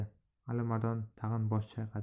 alimardon tag'in bosh chayqadi